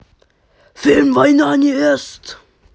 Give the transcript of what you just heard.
фильм война невест